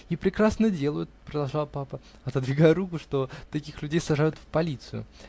-- И прекрасно делают, -- продолжал папа, отодвигая руку, -- что таких людей сажают в полицию.